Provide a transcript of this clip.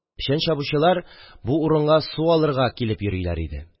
Печән чабучылар бу урынга су алырга килеп йөриләр иде.